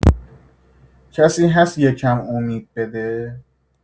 کسی هست یه کم امید بده؟